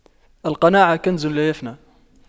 القناعة كنز لا يفنى